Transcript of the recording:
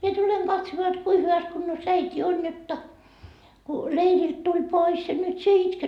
minä tulen katsomaan jotta kuinka hyvässä kunnossa äiti on jotta kun leiriltä tuli pois ja nyt sinä itket